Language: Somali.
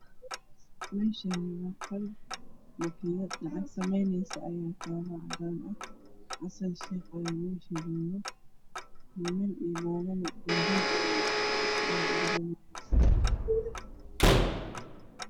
Meshaani waa qol makiinad lacag sameneyso ayaa taalo oo cadaan ah xasan shiiq ayaa meesh jogo niman iyo naago ne dambeel ey wataan lacag ey udhigano waan